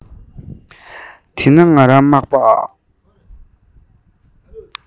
འདི ན ང རང མག པ